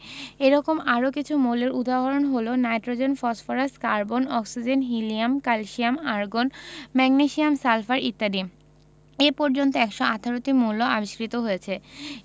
এরকম আরও কিছু মৌলের উদাহরণ হলো nitrogen phosphorus carbon oxygen helium calcium argon magnesium sulphur ইত্যাদি এ পর্যন্ত ১১৮টি মৌল আবিষ্কৃত হয়েছে